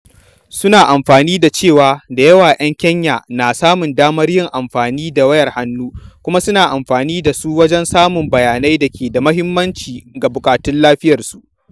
Suna amfani da cewa da yawan ‘yan Kenya na samun damar yin amfani da wayar hannu, kuma suna amfani da su wajen samun bayanai da ke da muhimmanci ga buƙatun lafiyarsu.